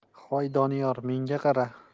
hoy doniyor menga qara